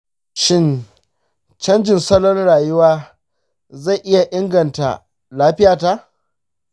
shin canjin salon rayuwa zai iya inganta lafiyata?